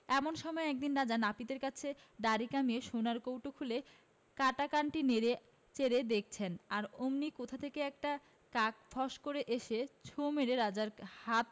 এমন সময় একদিন রাজা নাপিতের কাছে দাড়ি কামিয়ে সোনার কৌটো খুলে কাটা কানটি নেড়ে চেড়ে দেখছেন আর অমনি কোত্থেকে একটা কাক ফস্ করে এসে ছোঁ মেরে রাজার হাত